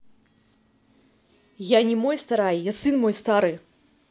я не мой сарай я сын мой сары